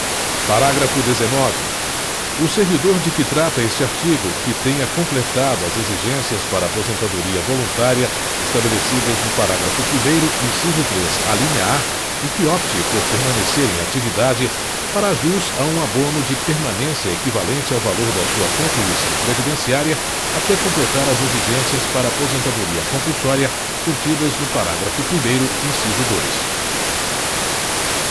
parágrafo dezenove o servidor de que trata este artigo que tenha completado as exigências para aposentadoria voluntária estabelecidas no parágrafo primeiro inciso três a e que opte por permanecer em atividade fará jus a um abono de permanência equivalente ao valor da sua contribuição previdenciária até completar as exigências para aposentadoria compulsória contidas no